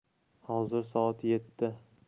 hozir soat yeti